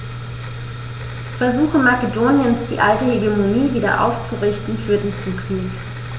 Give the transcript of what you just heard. Versuche Makedoniens, die alte Hegemonie wieder aufzurichten, führten zum Krieg.